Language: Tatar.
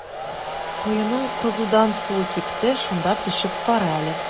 Коеның кызудан суы кипте, шунда төшеп кара әле.